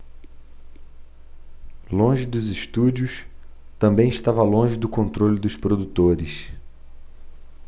longe dos estúdios também estava longe do controle dos produtores